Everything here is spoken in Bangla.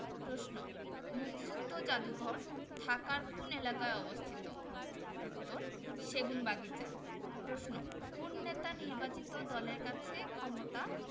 প্রশ্ন মুক্তিযুদ্ধ যাদুঘর ঢাকার কোন এলাকায় অবস্থিত উত্তরঃ সেগুনবাগিচা প্রশ্ন কোন নেতা নির্বাচিত দলের কাছে ক্ষমতা